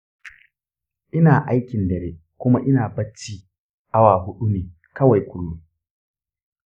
ina aikin dare kuma ina bacci awa huɗu ne kawai kullun